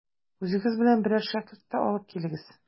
Үзегез белән берәр шәкерт тә алып килегез.